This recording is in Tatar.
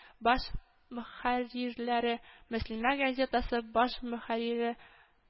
Баш мөхәррирләре, "мөслимә" газетасы баш мөхәррире